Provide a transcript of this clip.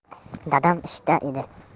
dadam ishda edi